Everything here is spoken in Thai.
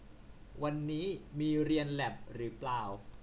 วันนี้มีเรียนแล็บรึป่าว